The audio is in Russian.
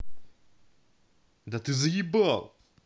да ты заебал